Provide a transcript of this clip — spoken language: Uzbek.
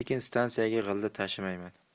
lekin stansiyaga g'alla tashimayman